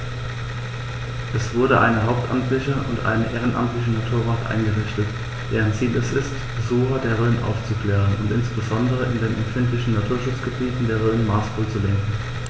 Es wurde eine hauptamtliche und ehrenamtliche Naturwacht eingerichtet, deren Ziel es ist, Besucher der Rhön aufzuklären und insbesondere in den empfindlichen Naturschutzgebieten der Rhön maßvoll zu lenken.